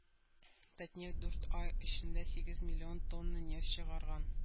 “татнефть” дүрт ай эчендә сигез миллион тонна нефть чыгарган